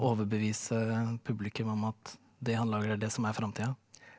overbevise publikum om at det han lager er det som er framtida?